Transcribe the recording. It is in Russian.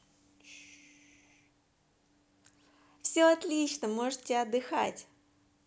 все отлично можете отдыхать